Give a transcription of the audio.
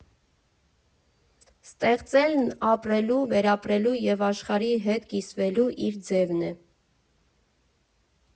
Ստեղծելն ապրելու, վերապրելու և աշխարհի հետ կիսվելու իր ձևն է։